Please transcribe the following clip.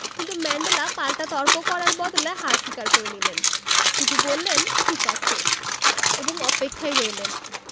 কিন্তু ম্যান্ডেলা পাল্টা তর্ক করার বদলে হার স্বীকার করে নিলেন শুধু বললেন ঠিক আছে এবং অপেক্ষায় রইলেন